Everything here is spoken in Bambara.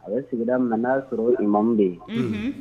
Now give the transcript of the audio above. A bɛ sigirada nana'a sɔrɔ i mamu bɛ ye